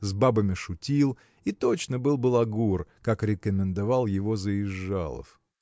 с бабами шутил – и точно был балагур как рекомендовал его Заезжалов.